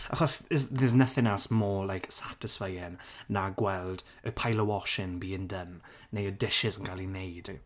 Achos there's... there's nothing else more like satisfying na gweld y pile of washing being done neu y dishes yn cael ei wneud.